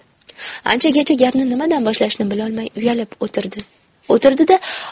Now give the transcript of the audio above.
anchagacha gapni nimadan boshlashni bilolmay uyalib o'tirdi o'tirdi da